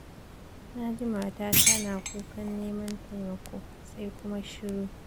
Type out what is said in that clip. “Na ji matata na kukan neman taimako, sai kuma shiru.